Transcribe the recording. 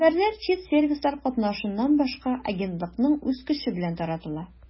Хәбәрләр чит сервислар катнашыннан башка агентлыкның үз көче белән таратыла.